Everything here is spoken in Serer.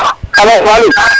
alo Waly